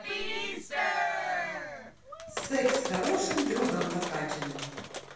секс с хорошим другом накачанным